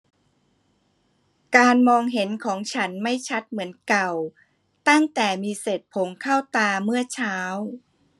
การมองเห็นของฉันไม่ชัดเหมือนเก่าตั้งแต่มีเศษผงเข้าตาเมื่อเช้า